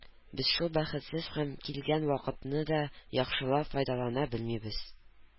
Без шул бәхетсез һәм килгән вакытны да яхшылап файдалана белмибез.